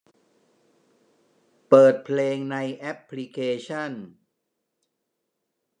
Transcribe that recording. เปิดเพลงในแอปพลิเคชั่น